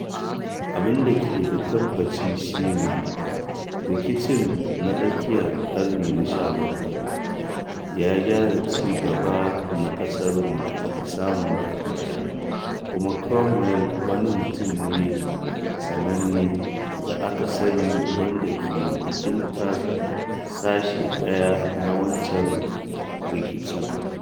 Abin da ke da tabbaci shi ne rikicin na tsakiyar ƙarni na 17 ya gyara ci gaba na ƙasarmu da aka samu daga baya, kuma Cromwell wani mutum ne sananne da aka sani wanda ke wakiltar sashe ɗaya na wancan rikicin.